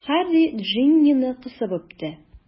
Һарри Джиннины кысып үпте.